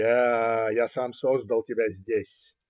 Я, я сам создал тебя здесь.